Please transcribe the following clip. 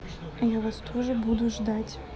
я вас тоже буду ждать